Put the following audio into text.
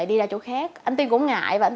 đi chỗ khác anh tiên cũng ngại và